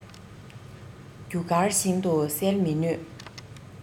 རྒྱུ སྐར བཞིན དུ གསལ མི ནུས